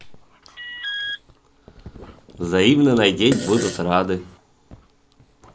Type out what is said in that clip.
взаимно найдеть будут рады